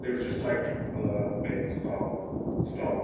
It was just like, erm, mate stop, stop.